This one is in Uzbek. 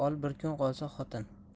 ol bir kun qolsa xotin